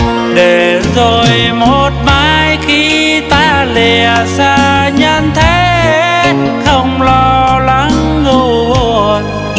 để rồi một mai khi ta lìa xa nhân thế không lo lắng ưu buồn